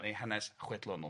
neu hanes chwedlonol.